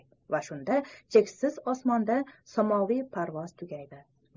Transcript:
va shunda cheksiz osmonda samoviy parvoz tugaydi